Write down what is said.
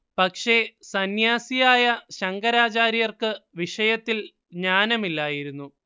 പക്ഷേ സന്ന്യാസിയായ ശങ്കരാചാര്യർക്ക് വിഷയത്തിൽ ജ്ഞാനമില്ലായിരുന്നു